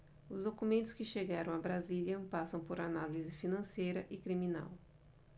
os documentos que chegaram a brasília passam por análise financeira e criminal